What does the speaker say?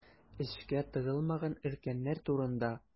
Эшкә тыгылмаган өлкәннәр турында.